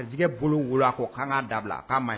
A jɛgɛgɛ bolo wolo a ko k'' dabila k'